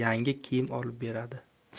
yangi kiyim olib beradi